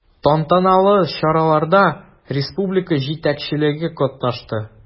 Тантаналы чараларда республика җитәкчелеге катнашты.